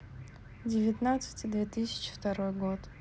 к девятнадцать две тысячи второй год